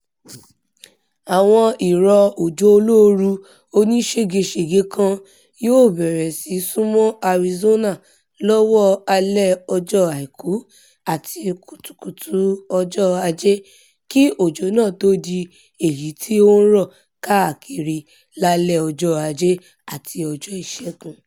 Àwọn ìrọ̀ òjò olóoru onísége-sège kan yóò bẹ̀rẹ̀ sí súnmọ́ Arizona lọ́wọ́ alẹ́ ọjọ́ Àìkú àti kùtùkùtù ọjọ Ajé, kí òjò náà tó di èyití ó ńrọ̀ káàkiri lálẹ́ ọjọ́ Ajé àti ọjọ́ Ìṣẹ́gun.